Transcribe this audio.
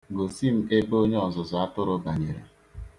Gosi m ebe onye ọzụzụ atụrụ banyere?